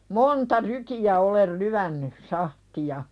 monta rykiä olen lyönyt sahtia